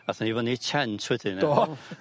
Athon ni fyny i Trent wedyn. Do...